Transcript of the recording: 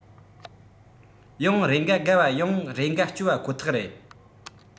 ཡང རེ འགའ དགའ བ ཡང རེ འགའ སྐྱོ བ ཁོ ཐག རེད